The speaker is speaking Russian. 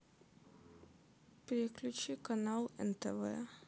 переключи канал нтв